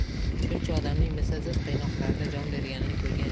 shuncha odamning mislsiz qiynoqlarda jon berganini ko'rgan